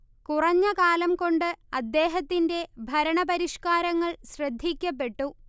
കുറഞ്ഞ കാലം കൊണ്ട് അദ്ദേഹത്തിന്റെ ഭരണ പരിഷ്കാരങ്ങൾ ശ്രദ്ധിക്കപ്പെട്ടു